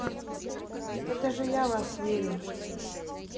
это же я в вас верю